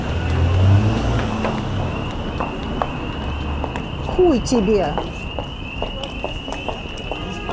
хуй тебе